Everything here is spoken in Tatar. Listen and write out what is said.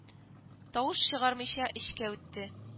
Тавыш чыгармыйча эчкә үтте